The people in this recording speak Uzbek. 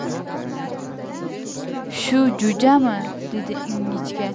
shu jo'jami dedi ingichka